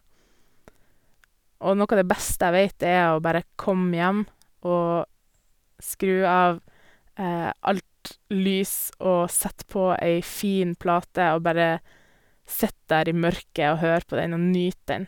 Og noe av det beste jeg vet er å bare komme hjem og skru av alt lys og sette på ei fin plate og bare sitte der i mørket og høre på den og nyte den.